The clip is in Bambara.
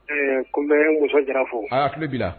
Ko n bɛ n muso jara fo aa hakili bi